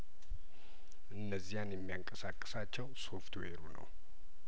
እነዚያን የሚያንቀሳቅ ሳቸው ሶፍትዌሩ ነው